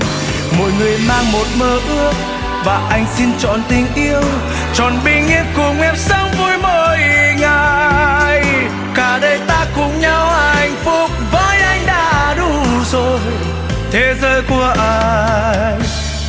mỗi người mang một mơ ước và anh xin chọn tình yêu chọn bình yên cùng em sống vui mỗi ngày cả đời ta cùng nhau hạnh phúc với anh đã đủ rồi thế giới của anh